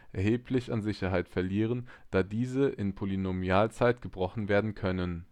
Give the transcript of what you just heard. erheblich an Sicherheit verlieren, da diese dann in Polynomialzeit gebrochen werden könnten